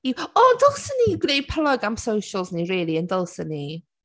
O, dylsen ni gwneud plug am socials ni rili, yn dylsen ni?